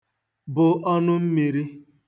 bụ ọnụmmīrī